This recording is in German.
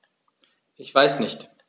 Ich weiß nicht.